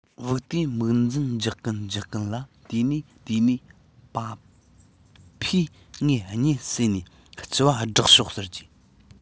བུ དེས མིག འཛུམ རྒྱག གིན རྒྱག གིན ལ དེ ནས དེ ནས པ ཕས ངའི གཉིད བསད ནས ལྕི བ སྒྲུག ཤོག ཟེར གྱིས